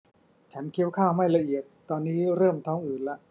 ฉันเคี้ยวข้าวไม่ละเอียดตอนนี้เริ่มท้องอืดละ